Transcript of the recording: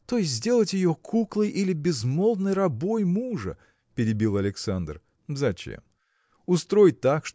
– То есть сделать ее куклой или безмолвной рабой мужа! – перебил Александр. – Зачем? Устрой так